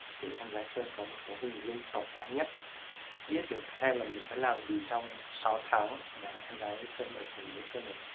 để em gái sơn có hình dung tổng quan nhất biết được sẽ làm gì trong thời gian ở với sơn